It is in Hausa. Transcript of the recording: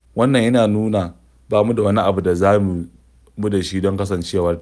Wannan yana nuna ba mu da wani abu da za mu da shi don kasancewarta.